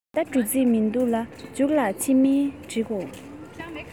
ད ལྟ འགྲོ རྩིས མི འདུག ལོ མཇུག ལ ཕྱིན མིན འགྲོ